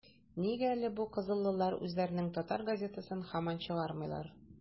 - нигә әле бу кызыллар үзләренең татар газетасын һаман чыгармыйлар?